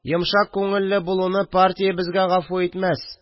Йомшак күңелле булуны партия безгә гафу итмәс